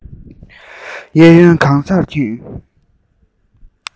གཡས གཡོན གང སར ཁེངས